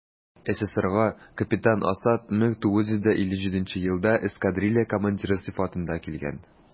СССРга капитан Асад 1957 елда эскадрилья командиры сыйфатында килгән.